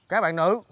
các bạn nữ